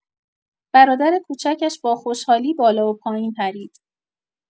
برادر کوچکش با خوشحالی بالا و پایین پرید.